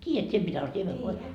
tiedät sinä mitä on siemenvoi